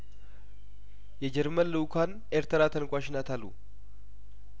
የጀርመን ልኡካን ኤርትራ ተንኳሽናት አሉ